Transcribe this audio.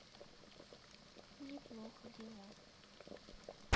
мне плохо дела